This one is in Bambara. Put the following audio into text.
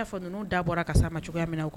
Na fɔ ninnu da bɔra ka s'a ma cogoya minna